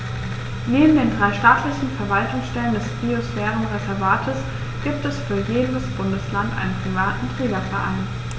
Neben den drei staatlichen Verwaltungsstellen des Biosphärenreservates gibt es für jedes Bundesland einen privaten Trägerverein.